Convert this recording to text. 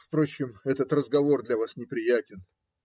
Впрочем, этот разговор для вас неприятен.